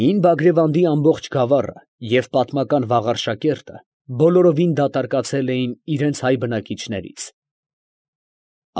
Հին Բագրևանդի ամբողջ գավառը և պատմական Վաղարշակերտը բոլորովին դատարկացել էին իրանց հայ բնակիչներից։